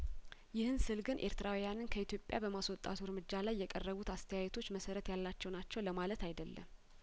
ይህን ስል ግን ኤርትራውያንን ከኢትዮጵያ በማስወጣቱ እርምጃ ላይ የቀረቡት አስተያየቶች መሰረት ያላቸው ናቸው ለማ ለት አይደለም